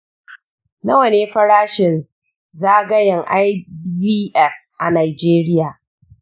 nawa ne farashin zagayen ivf a najeriya?